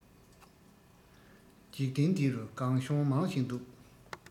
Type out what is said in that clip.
འཇིག རྟེན འདི རུ སྒང གཤོང མང ཞིག འདུག